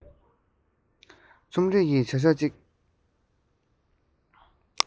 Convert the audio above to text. རྩོམ རིག གི བྱ བཞག ཅིག